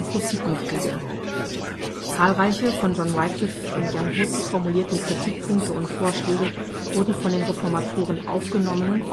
Hussitenkriege). Zahlreiche von John Wyclif und Jan Hus formulierte Kritikpunkte und Vorschläge wurden von den Reformatoren aufgenommen